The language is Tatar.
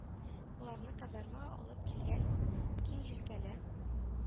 Боларны казармага алып килгән киң җилкәле,